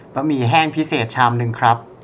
บะหมี่แห้งพิเศษชามนึงครับ